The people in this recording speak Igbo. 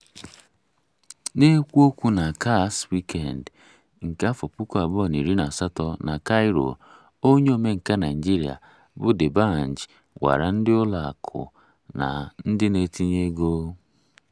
N'ekwu okwu na CAX Weekend nke 2018 na Cairo, onye omenkà Naịjirịa bụ D'Banj gwara ndị ụlọ akụ na ndị na-etinye ego